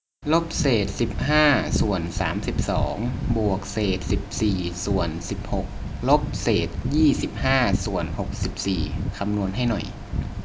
ลบเศษสิบห้าส่วนสามสิบสองบวกเศษสิบสี่ส่วนสิบหกลบเศษยี่สิบห้าส่วนหกสิบสี่คำนวณให้หน่อย